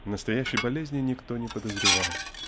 Настоящей болезни никто не подозревал